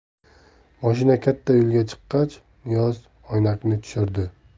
mashina katta yo'lga chiqqach niyoz oynakni tushirdi